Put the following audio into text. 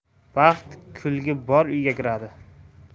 baxt kulgi bor uyga kiradi